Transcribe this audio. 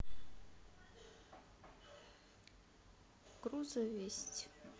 крузо весть